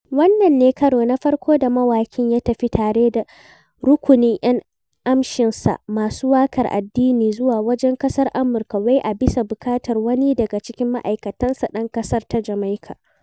Wannan ne karo na farko da mawaƙin ya tafi tare da rukunin 'yan amshinsa masu waƙar addini zuwa wajen ƙasar Amurka, wai a bisa buƙatar wani daga cikin ma'aikatansa ɗan ƙasar ta Jamaika.